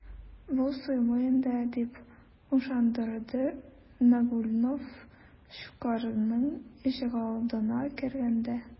Бу суймый инде, - дип ышандырды Нагульнов Щукарьның ишегалдына кергәндә.